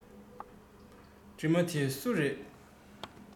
གྲིབ མ དེ སུ རེད